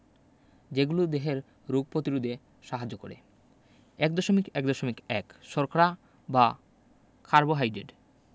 যেগুলো দেহের রোগ প্রতিরোধে সাহায্য করে ১.১.১ শর্করা বা কার্বোহাইডেট